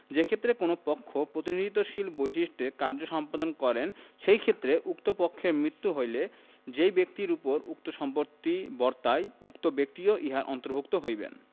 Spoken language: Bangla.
যেক্ষেত্রে কোন পক্ষ প্রতিনিধিত্বশীল বৈশিষ্ট্যে কার্য সম্পাদন করেন সেই ক্ষেত্রে উক্ত পক্ষের মৃত্যু হইলে যেই ব্যক্তির উপর উক্ত সম্পত্তি বর্তায় উক্ত ব্যক্তিও ইহার অন্তর্ভুক্ত হইবেন